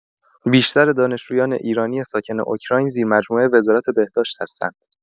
بیشتر دانشجویان ایرانی ساکن اوکراین زیرمجموعه وزارت بهداشت هستند.